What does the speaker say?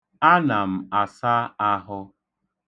Ana m asa ahụ.